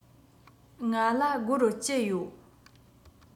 ང ལ སྒོར བཅུ ཡོད